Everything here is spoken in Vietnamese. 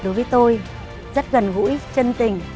đối với tôi rất gần gũi chân tình